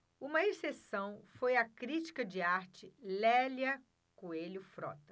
uma exceção foi a crítica de arte lélia coelho frota